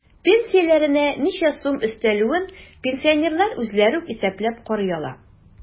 Пенсияләренә ничә сум өстәлүен пенсионерлар үзләре үк исәпләп карый ала.